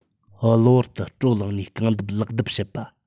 གློ བུར དུ སྤྲོ ལངས ནས རྐང བརྡབ ལག བརྡབ བྱེད པ